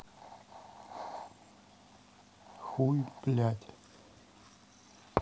хуй блядь